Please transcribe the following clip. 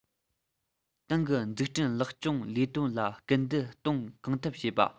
ཏང གི འཛུགས སྐྲུན ལེགས སྐྱོང ལས དོན ལ སྐུལ འདེད གཏོང གང ཐུབ བྱས པ